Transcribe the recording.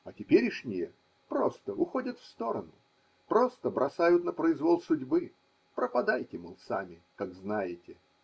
А теперешние – просто уходят в сторону, просто бросают на произвол судьбы: пропадайте, мол, сами. как знаете.